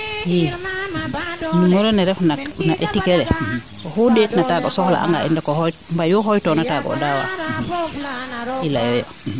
i numero ne refna no étiquet le oxuu ndeet na taaga o soxla anga in rek o xooyit mbanu xooytoona taaga o daawam i leyo yo